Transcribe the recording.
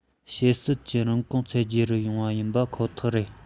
བྱེད སྲིད ཀྱི རིན གོང ཚད བརྗེ རུ ཡོང བ ཡིན པ ཁོ ཐག རེད